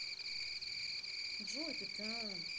джой ты таун